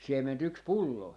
siementä yksi pullo